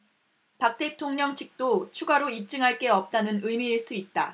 박 대통령 측도 추가로 입증할 게 없다는 의미일 수 있다